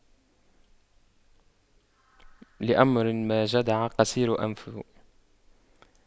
لأمر ما جدع قصير أنفه